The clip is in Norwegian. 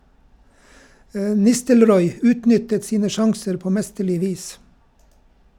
Nistelrooy utnyttet sine sjanser på mesterlig vis.